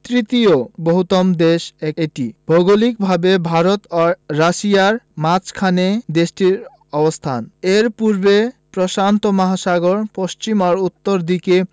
তৃতীয় বৃহত্তম দেশ এটি ভৌগলিকভাবে ভারত ও রাশিয়ার মাঝখানে দেশটির অবস্থান এর পূর্বে প্রশান্ত মহাসাগর পশ্চিম ও উত্তর দিকে